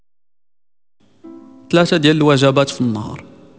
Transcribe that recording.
لا سجل الواجبات في النهار